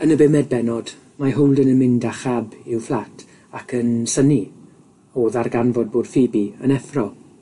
Yn y bumed bennod, mae Holden yn mynd â chab i'w fflat ac yn synnu o ddarganfod bod Pheobe yn effro.